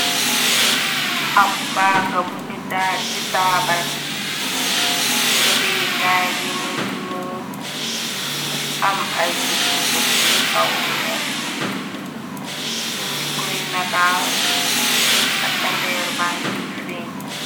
Ab paaka bunu taaj ci taabul, nga beekaay gi mu ngi ñuul, am ay tup tup yu xaw weex , ñi ngi koy nataaw takkandeer bank ciy feeñ.